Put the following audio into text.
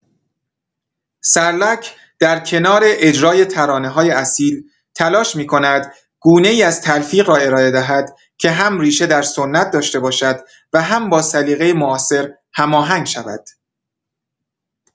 سرلک در کنار اجرای ترانه‌های اصیل، تلاش می‌کند گونه‌ای از تلفیق را ارائه دهد که هم ریشه در سنت داشته باشد و هم با سلیقه معاصر هماهنگ شود.